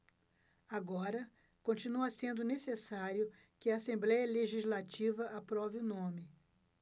agora continua sendo necessário que a assembléia legislativa aprove o nome